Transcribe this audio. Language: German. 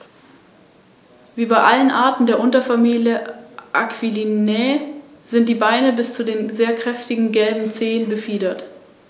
Auffallend ist neben der für Adler typischen starken Fingerung der Handschwingen der relativ lange, nur leicht gerundete Schwanz.